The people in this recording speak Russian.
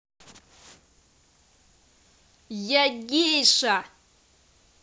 я гейша